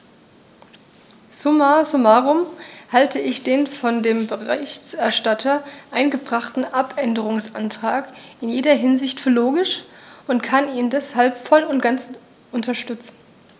Summa summarum halte ich den von dem Berichterstatter eingebrachten Abänderungsantrag in jeder Hinsicht für logisch und kann ihn deshalb voll und ganz unterstützen.